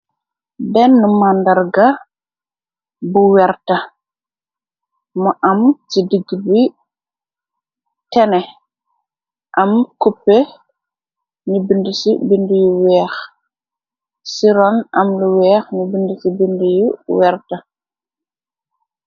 Benne màndarga bu werta mu am ci digg bi tene am cuppe ni bindi ci bind yu weex siron am lu weex ni bind ci bind yu werta.